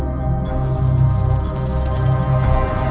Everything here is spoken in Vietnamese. dậy